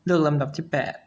เลือกลำดับที่แปด